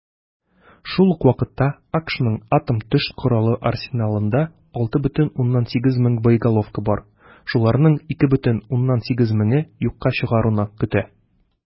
Шул ук вакытта АКШның атом төш коралы арсеналында 6,8 мең боеголовка бар, шуларны 2,8 меңе юкка чыгаруны көтә.